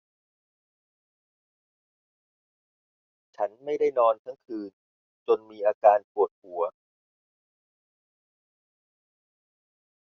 ฉันไม่ได้นอนทั้งคืนจนมีอาการปวดหัว